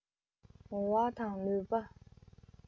ངོ བོ དང ནུས པ